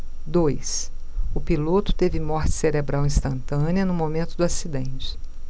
dois o piloto teve morte cerebral instantânea no momento do acidente